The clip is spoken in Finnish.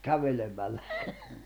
kävelemällä